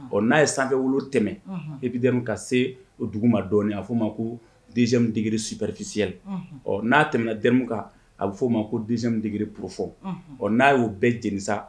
Ɔ n'a ye sanfɛ wolo tɛmɛn e bɛ ka se o dugu ma dɔɔnini a f'o ma ko d digi subarikisɛsili ɔ n'a tɛmɛna dmu kan a bɛ f'o ma ko dmu digi purp ɔ n'a y'o bɛɛ jenisa